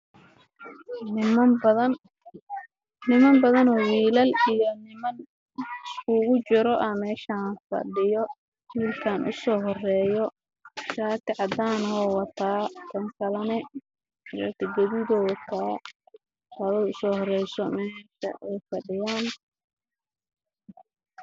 Dad ayaa halkan fadhiyo nin dhallinyaro ah ayaa u soo horreeyo